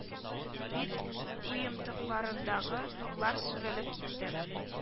Бит уемтыкларындагы нурлары сүрелеп китте